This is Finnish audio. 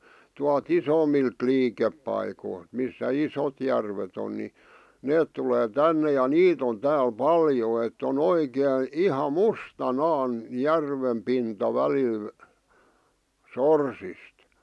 tuolta isommilta liikepaikoilta missä isot järvet on niin ne tulee tänne ja niitä on täällä paljon että on oikein ihan mustanaan järven pinta välillä sorsista